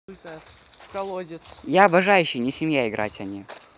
я обожающий не семья играть они